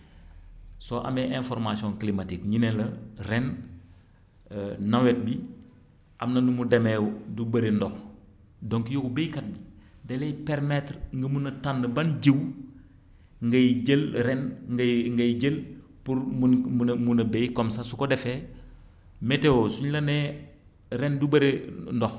soo amee information climatique ñu ne la ren nawet bi am na nu mu demee du bëre ndox donc yow baykat bi da lay permettre nga mën a tànn ban jiwu ngay jël ren ngay ngay ngay jël pour mu na mu na bay comme saa su ko defee météo suñu la nee ren du bëre ndox